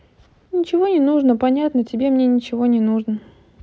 ничего не нужно понятно тебе мне ничего не нужно